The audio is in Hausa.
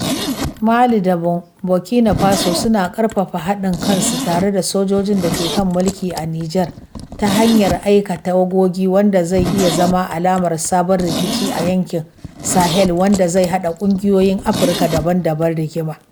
Mali da Burkina Faso suna ƙarfafa haɗin kansu tare da sojojin da ke kan mulki a Nijar ta hanyar aika tawagogi, wanda zai iya zama alamar sabon rikici a yankin Sahel wanda zai haɗa ƙungiyoyin Afirka daban-daban rigima.